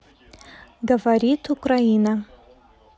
говорит украина